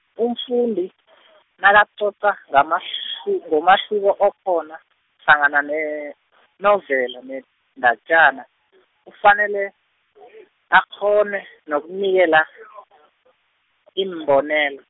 umfundi , nakacoca ngamahl- ngomahluko okhona, hlangana nenovela, nendatjana, kufanele , akghone, nokunikela , iimbonelo.